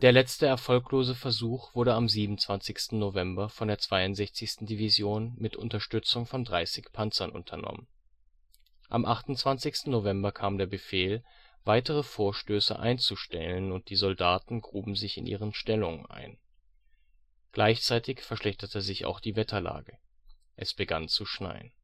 letzte erfolglose Versuch wurde am 27. November von der 62. Division mit Unterstützung von 30 Panzern unternommen. Am 28. November kam der Befehl weitere Vorstöße einzustellen und die Soldaten gruben sich in ihren Stellungen ein. Gleichzeitig verschlechterte sich auch die Wetterlage, es begann zu schneien